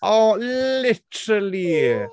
O literally!